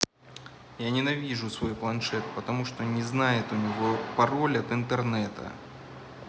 я ненавижу свой планшет потому что не знает у него пароль от интернета